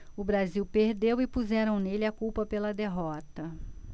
o brasil perdeu e puseram nele a culpa pela derrota